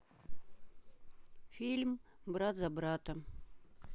фильм брат за брата